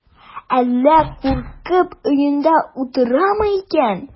Әллә куркып өендә утырамы икән?